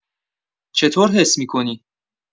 چطور حس می‌کنی؟